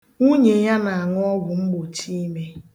Nwunye ya na-an̄ụ ọgwụ mgbochime